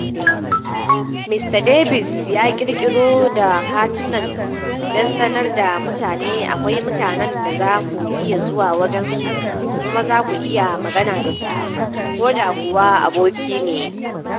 Ms Davis ya kirkiro da katunan, "don sanar da mutane akwai mutanen da za ku iya zuwa wajen su kuma za ku iya magana da su, ko da kuwa aboki ne.